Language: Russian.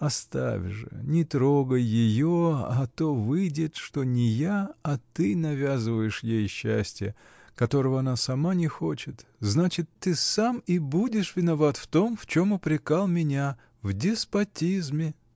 Оставь же, не трогай ее: а то выйдет, что не я, а ты навязываешь ей счастье, которого она сама не хочет, – значит, ты сам и будешь виноват в том, в чем упрекал меня: в деспотизме.